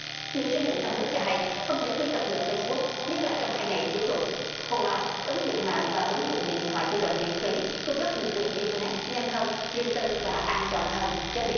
người sử dụng trong nước cho hay không thể truy cập được phây búc nhất là trong hai ngày cuối tuần hô la ứng dụng mạng và ứng dụng điện thoại di động miễn phí cung cấp đường truyền in tơ nét nhanh hơn riêng tư và an toàn hơn cho biết